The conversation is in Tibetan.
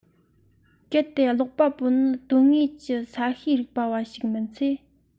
གལ ཏེ ཀློག པ པོ ནི དོན དངོས ཀྱི ས གཤིས རིག པ བ ཞིག མིན ཚེ